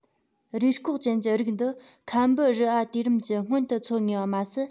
རུས སྐོགས ཅན གྱི རིགས འདི ཁམ སྦི རི ཨ དུས རིམ གྱི སྔོན དུ འཚོ ངེས པ མ ཟད